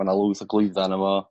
ma' 'na lwyth o glwydda ana fo